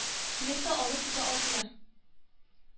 Килеп тә алып китә алмыйлар